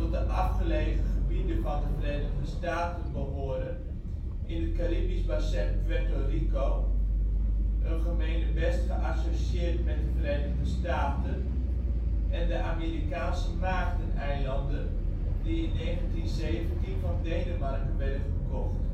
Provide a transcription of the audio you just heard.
de afgelegen gebieden van de Verenigde Staten behoren: In het Caraïbische Bassin: Puerto Rico (een gemenebest geassocieerd met de Verenigde Staten) en de Maagdeneilanden (die in 1917 van Denemarken werden gekocht